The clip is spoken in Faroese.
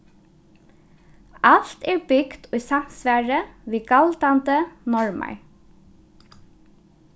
alt er bygt í samsvari við galdandi normar